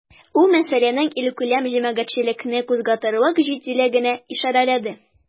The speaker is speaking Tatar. Ул мәсьәләнең илкүләм җәмәгатьчелекне кузгатырлык җитдилегенә ишарәләде.